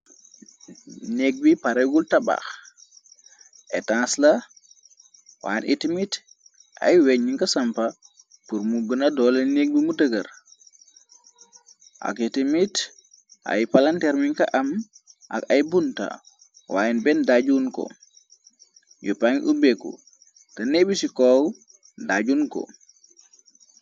nékk bi paregul tabax étansla waayen it mit ay wejñ ga sampa purmu gëna doole nek bi mu dëgar ak iti mit ay palantermin ka am ak ay bunta wayen benn dajjun ko yu pan ubeku te neebi ci koow daajun ko